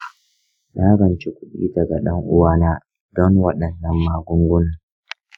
na ranci kuɗi daga ɗan’uwana don waɗannan magungunan.